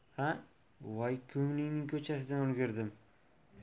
a voy ko'nglingning ko'chasidan o'rgildim